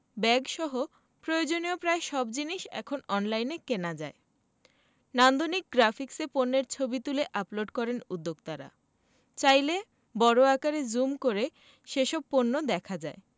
ব্যাগসহ প্রয়োজনীয় প্রায় সব জিনিস এখন অনলাইনে কেনা যায় নান্দনিক গ্রাফিকসে পণ্যের ছবি তুলে আপলোড করেন উদ্যোক্তারা চাইলে বড় আকারে জুম করে সেসব পণ্য দেখা যায়